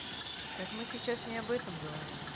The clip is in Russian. так мы сейчас не об этом говорим